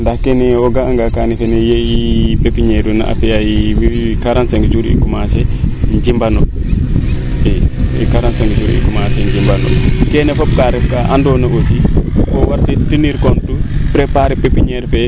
ndaa kene o ga nga ye i pepiniere uuna a fiya 45 jours i ccommencer :ffra njimano i 45 jours i commencer njimano keene fop kaa ref kaa ando na aussi ko war o tenir teen compte preparer pepiniere fee